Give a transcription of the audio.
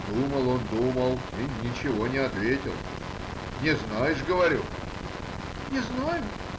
Думал он, думал,— и ничего не ответил. — Не знаешь? — говорю. — Не знаю.